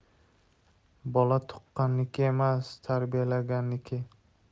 bola tuqqanniki emas tarbiyalaganniki